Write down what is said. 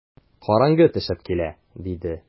Караңгы төшеп килә, - диде.